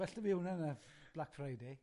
Well 'dy fi wnna na Black Friday.